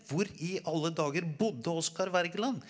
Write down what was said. hvor i alle dager bodde Oscar Wergeland?